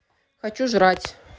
хочу жрать